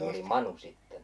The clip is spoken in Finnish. se oli manu sitten